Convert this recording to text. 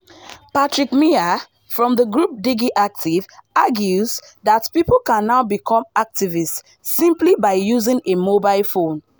Patrick Meier, from the group DigiActive, argues that people can now become activists simply by using a mobile phone.